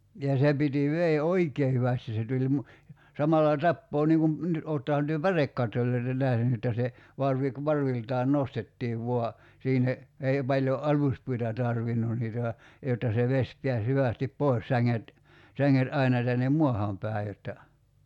ja se piti veden oikein hyvästi se tuli - samalla tappaa niin kuin niin olettehan te pärekattoja nähnyt että se varvi - varviltaan nostettiin vain sinne ei paljon aluspuita tarvinnut niitä vaan jotta se vesi pääsi hyvästi pois sänget sänget aina tänne maahan päin jotta